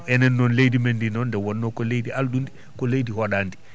enen noon leydi men ndii noon nde wonno ko leydi alɗu ndi ko leydi hoɗaadi